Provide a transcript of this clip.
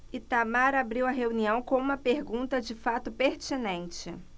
itamar abriu a reunião com uma pergunta de fato pertinente